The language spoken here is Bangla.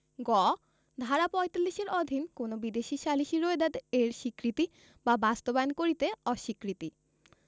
গ ধারা ৪৫ এর অধীন কোন বিদেশী সালিসী রোয়েদাদ এর স্বীকৃতি বা বাস্তবায়ন করিতে অস্বীকৃতি